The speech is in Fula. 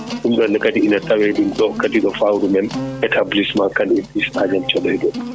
ɗum ɗonne kadi ina tawe ɗum ɗon ɗo fawru men établissement Kane et fils Agname Thiodaye ɗo